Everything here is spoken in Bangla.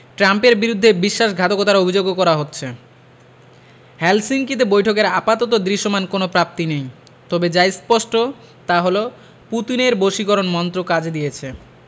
ট্রাম্পের বিরুদ্ধে বিশ্বাসঘাতকতার অভিযোগও করা হচ্ছে হেলসিঙ্কিতে বৈঠকের আপাতত দৃশ্যমান কোনো প্রাপ্তি নেই তবে যা স্পষ্ট তা হলো পুতিনের বশীকরণ মন্ত্র কাজ দিয়েছে